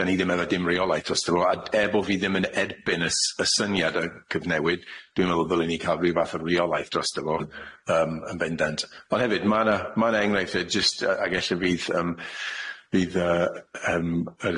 Da ni ddim efo dim reolaeth drosto fo a e- er bo' fi ddim yn erbyn y s- y syniad yy cyfnewid dwi'n me'wl ddylen ni ca'l ryw fath o reolaeth drosto fo yym yn bendant ond hefyd ma' na ma' na enghraifft yy jyst yy ag elle fydd yym fydd yy yym yr